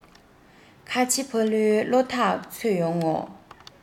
ཁ ཆེ ཕ ལུའི བློ ཐག ཆོད སོང ངོ